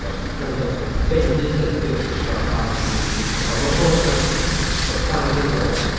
Wel gwrandewch ar y bennod dwytha a dweud y gwir os ydech chi isio clywed barn ni ar Normal People. Ond os oes 'na w- dau gyfrol...